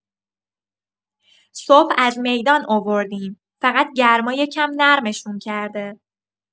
صبح از میدان آوردیم، فقط گرما یکم نرمشون کرده.